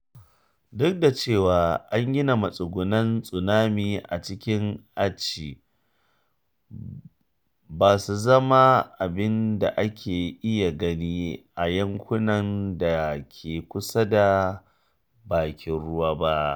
Duk da cewa an gina matsugunan Tsunami a cikin Aceh, ba su zama abin da ake iya gani a yankunan da ke kusa da bakin ruwa ba.